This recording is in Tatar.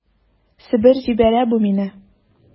Себер җибәрә бу мине...